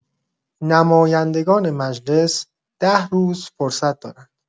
نمایندگان مجلس ۱۰ روز فرصت دارند.